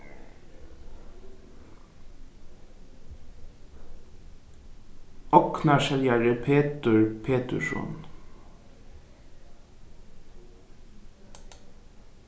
ognarseljari petur peturson